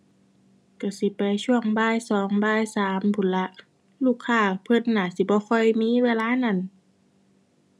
ก็สิไปช่วงบ่ายสองบ่ายสามพู้นล่ะ ลูกค้าเพิ่นน่าสิบ่ค่อยมีเวลานั้น